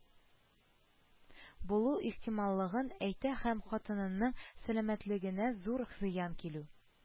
Булу ихтималлыгын әйтә һәм хатынының сәламәтлегенә зур зыян килү